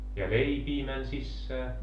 ja leipiä meni sisään